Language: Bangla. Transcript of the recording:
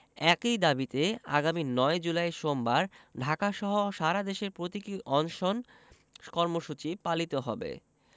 একই দাবিতে আগামী ৯ জুলাই সোমবার ঢাকাসহ সারাদেশে প্রতীকী অনশন কর্মসূচি পালিত হবে